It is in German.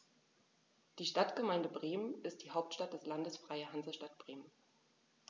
Die Stadtgemeinde Bremen ist die Hauptstadt des Landes Freie Hansestadt Bremen.